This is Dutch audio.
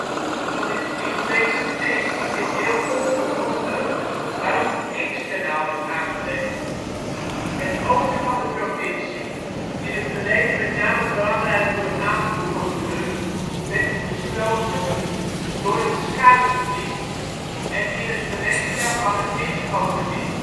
van dit diep bleek in de 19e eeuw onvoldoende, waarop het Eemskanaal werd aangelegd. Het oosten van de provincie, in het verleden met name belangrijk voor de aanvoer van turf werd ontsloten door het Schuitendiep en in het verlengde daarvan het Winschoterdiep